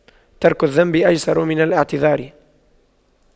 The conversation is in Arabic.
ترك الذنب أيسر من الاعتذار